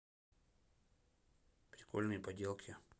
прикольные поделки